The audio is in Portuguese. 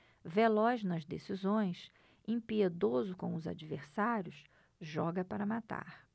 veloz nas decisões impiedoso com os adversários joga para matar